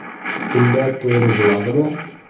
shunda to'g'ri bo'ladimi